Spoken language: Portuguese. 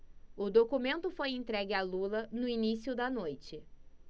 o documento foi entregue a lula no início da noite